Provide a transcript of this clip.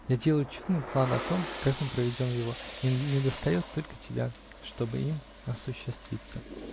Я делаю чудные планы о том, как мы проведем его, и недостает только тебя, чтобы им осуществиться".